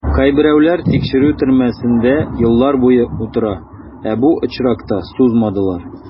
Кайберәүләр тикшерү төрмәсендә еллар буе утыра, ә бу очракта сузмадылар.